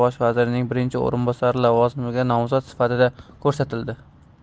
bosh vazirining birinchi o'rinbosari lavozimiga nomzod sifatida ko'rsatildi